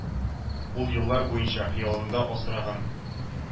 Ул еллар буенча хыялында асраган